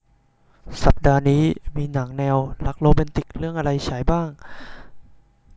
สัปดาห์นี้มีหนังแนวรักโรแมนติกเรื่องอะไรฉายบ้าง